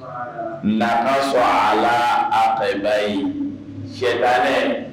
Na ka sɔn a la a fɛba ye shɛda dɛ